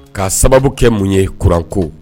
Ka' sababu kɛ mun ye kuranko